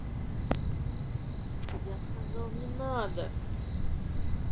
я сказал не надо